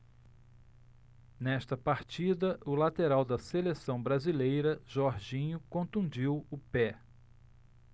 nesta partida o lateral da seleção brasileira jorginho contundiu o pé